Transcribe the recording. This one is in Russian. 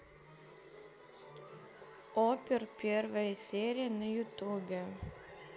опер первая серия на ютубе